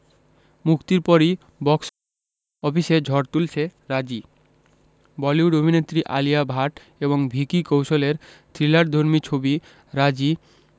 মুক্তির পরই বক্স অফিসে ঝড় তুলেছে রাজি বলিউড অভিনেত্রী আলিয়া ভাট এবং ভিকি কৌশলের থ্রিলারধর্মী ছবি রাজী